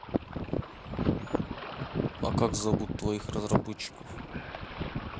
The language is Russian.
а как зовут твоих разработчиков